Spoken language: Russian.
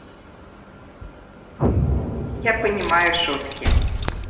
я понимаю шутки